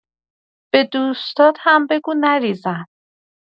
به دوستات هم بگو نریزن.